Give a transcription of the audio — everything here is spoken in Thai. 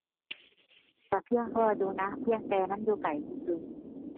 ก็เพียงพออยู่นะ เพียงแต่มันอยู่ไกลซื่อซื่อ